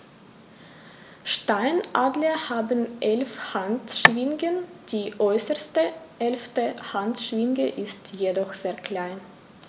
Steinadler haben 11 Handschwingen, die äußerste (11.) Handschwinge ist jedoch sehr klein.